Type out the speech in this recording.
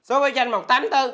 số báo danh một tám tư